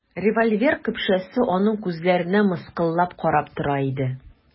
Револьвер көпшәсе аның күзләренә мыскыллап карап тора иде.